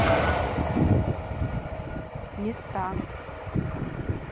места